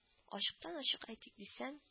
Ачыктан-ачык әйтик дисәң